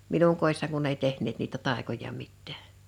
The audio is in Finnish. minun kodissani kun ei tehneet niitä taikoja mitään